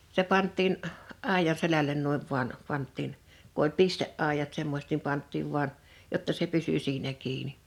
se pantiin aidan selälle noin vain pantiin kun oli pisteaidat semmoiset niin pantiin vain jotta se pysyi siinä kiinni